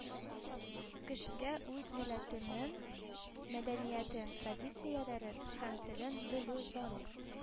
«кешегә үз милләтенең мәдәниятен, традицияләрен һәм телен белү зарур